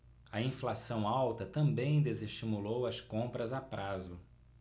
a inflação alta também desestimulou as compras a prazo